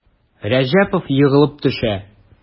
Рәҗәпов егылып төшә.